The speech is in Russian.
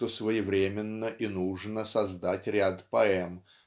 что своевременно и нужно создать ряд поэм